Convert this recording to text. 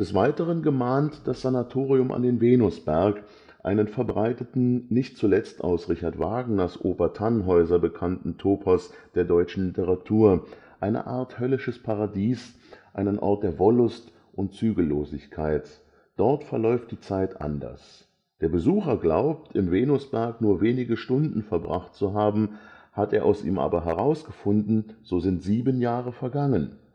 Weiteren gemahnt das Sanatorium an den Venusberg, einen verbreiteten, nicht zuletzt aus Richard Wagners Oper Tannhäuser bekannten Topos der deutschen Literatur, eine Art „ höllisches Paradies “, einen Ort der Wollust und Zügellosigkeit. Dort verläuft die Zeit anders: Der Besucher glaubt, im Venusberg nur wenige Stunden verbracht zu haben. Hat er aus ihm aber herausgefunden, so sind sieben Jahre vergangen